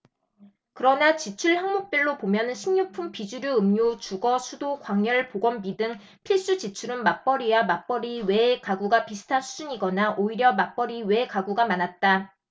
그러나 지출 항목별로 보면 식료품 비주류음료 주거 수도 광열 보건비 등 필수 지출은 맞벌이와 맞벌이 외 가구가 비슷한 수준이거나 오히려 맞벌이 외 가구가 많았다